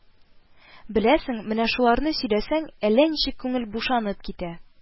Беләсең, менә шуларны сөйләсәң, әллә ничек күңел бушанып китә